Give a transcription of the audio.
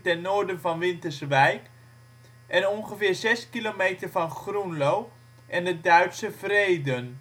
ten noorden van Winterswijk en ongeveer 6 km van Groenlo en het Duitse Vreden.